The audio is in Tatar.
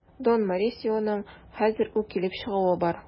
Дон Морисионың хәзер үк килеп чыгуы бар.